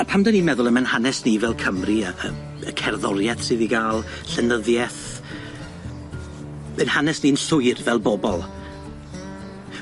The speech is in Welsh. A pan 'dan ni'n meddwl am ein hanes ni fel Cymru a yy y cerddorieth sydd i ga'l llenyddieth ein hanes ni'n llwyr fel bobol